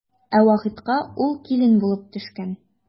Ә Вахитка ул килен булып төшкән.